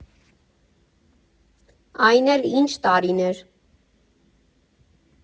Այն էլ ինչ տարիներ։